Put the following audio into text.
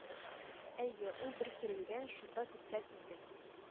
Әйе, ул бер сөрелгән; шунда күптән инде